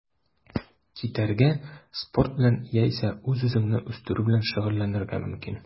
Китәргә, спорт белән яисә үз-үзеңне үстерү белән шөгыльләнергә мөмкин.